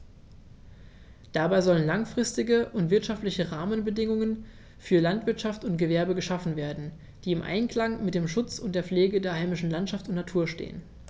Dabei sollen langfristige und wirtschaftliche Rahmenbedingungen für Landwirtschaft und Gewerbe geschaffen werden, die im Einklang mit dem Schutz und der Pflege der heimischen Landschaft und Natur stehen.